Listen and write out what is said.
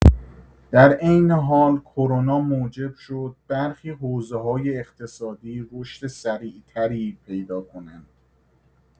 در عین حال کرونا موجب شد برخی حوزه‌های اقتصادی رشد سریع‌تری پیدا کنند.